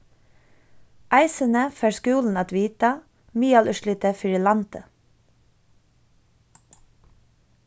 eisini fær skúlin at vita miðalúrslitið fyri landið